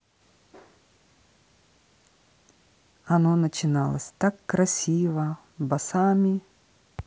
оно начиналось так красива басами